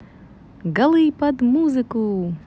голы под музыку